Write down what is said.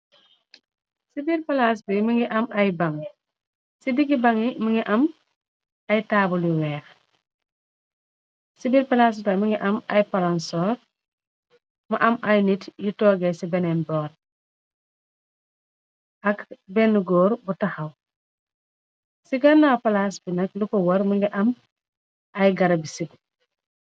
Ci biir palaas bi mi ngi am ay baŋg ci diggi bagi. Mi ngi am ay taabalu weex ci bir palaasitoy mi ngi am ay paronsor. Mu am ay nit yi toogée ci benen bor ak benn gore bu taxaw. Ci garnaaw palaas bi nag lu ko war mi ngi am ay garabi sib.